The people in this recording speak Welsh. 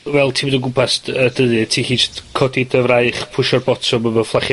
fel ti'n mynd o gwmpas d- yy dyddiad ti 'llu jst codi dy fraich, pwsio'r botwm a ma' fflachio